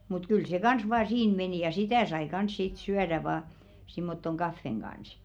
mutta kyllä se kanssa vain siinä meni ja sitä sai kanssa sitten syödä vain semmottoon kahvin kanssa